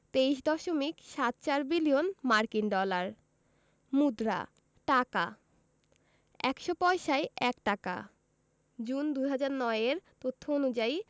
২৩দশমিক সাত চার বিলিয়ন মার্কিন ডলার মুদ্রাঃ টাকা ১০০ পয়সায় ১ টাকা জুন ২০০৯ এর তথ্য অনুযায়ী